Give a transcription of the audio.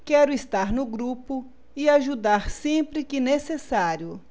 quero estar no grupo e ajudar sempre que necessário